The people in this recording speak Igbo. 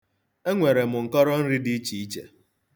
Enwere m nkọrọnri dị iche iche.